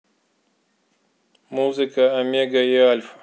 музыка омега и альфа